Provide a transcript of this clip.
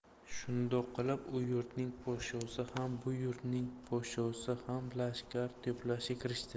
shundoq qilib u yurtning podshosi ham bu yurtning podshosi ham lashkar to'plashga kirishibdi